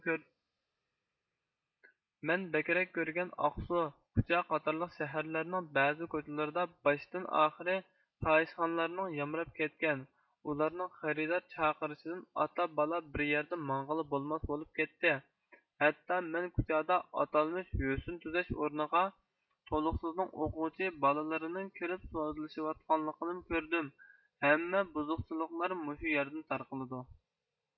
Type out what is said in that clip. مەن بەكرەك كۆرگەن ئاقسۇ كۇچا قاتارلىق شەھەرلەرنىڭ بەزى كوچىلىردا باشتن ئاخىرى پاھىشخانىلار يامراپ كەتكەن ئۇلارنڭ خېرىدار چاقىرشىدىن ئاتا بالا بىر يەردە ماڭغىلى بولماس بولۇپ كەتتى ھەتتا مەن كۇچادا ئاتالمىش ھۆسىن تۈزەش ئورنىغا تولۇقسزنىڭ ئوقۇغۇچى بالىلىرىنىڭ كىرىپ سودىلىشىۋاتقانلىقىمۇ كۆردۈم ھەممە بۇزۇقچىلىقلار موشۇ يەردىن تارقىلدۇ